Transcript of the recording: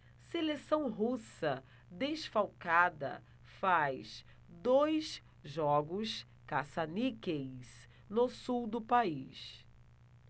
seleção russa desfalcada faz dois jogos caça-níqueis no sul do país